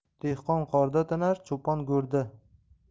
dehqon qorda tinar cho'pon go'rda